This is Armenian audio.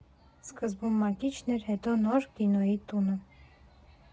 Սկզբում Մակիչն էր՝ հետո նոր Կինոյի տունը.